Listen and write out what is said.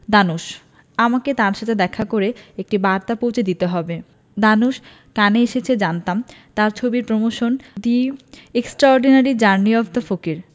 ধানুশ আমাকে তার সাথে দেখা করে একটি বার্তা পৌঁছে দিতে হবে ধানুশ কানে এসেছে জানতাম তার ছবির প্রমোশনে the extraordinary journey of the Fakir